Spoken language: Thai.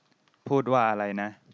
พูดว่าอะไรนะ